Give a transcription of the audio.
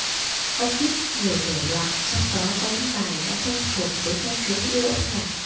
ông viết rất nhiều thể loại trong đó có những bài đã quen thuộc với công chúng yêu âm nhạc